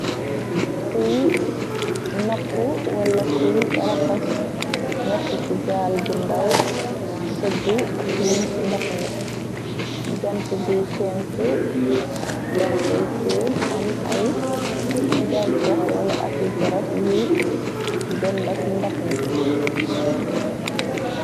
Kuy napp wala kuy raxas, nekk ci gaal gu ndaw, sëgg tiin ndox ni jant buy fenk, yankey feen, am ay gancax wala ak garab yu dendak ndox mi.